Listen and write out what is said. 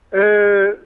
Ee